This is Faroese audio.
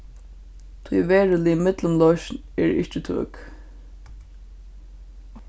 tí verulig millumloysn ikki er tøk